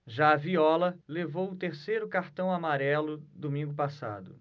já viola levou o terceiro cartão amarelo domingo passado